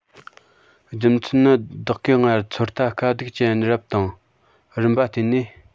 རྒྱུ མཚན ནི བདག གིས སྔར ཚོད ལྟ དཀའ སྡུག ཅན རབ དང རིམ པར བརྟེན ནས